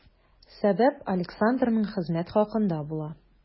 Сәбәп Александрның хезмәт хакында була.